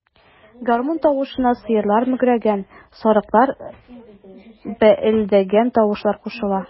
Гармун тавышына сыерлар мөгрәгән, сарыклар бәэлдәгән тавышлар кушыла.